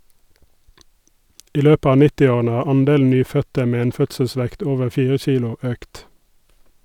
I løpet av nittiårene har andelen nyfødte med en fødselsvekt over fire kilo økt.